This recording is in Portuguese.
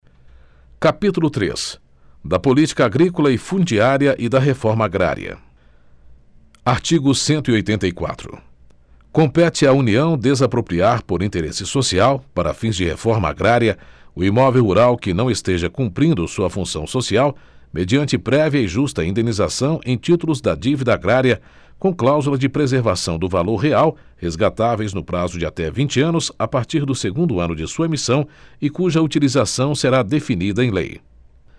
capítulo três da política agrícola e fundiária e da reforma agrária artigo cento e oitenta e quatro compete à união desapropriar por interesse social para fins de reforma agrária o imóvel rural que não esteja cumprindo sua função social mediante prévia e justa indenização em títulos da dívida agrária com cláusula de preservação do valor real resgatáveis no prazo de até vinte anos a partir do segundo ano de sua emissão e cuja utilização será definida em lei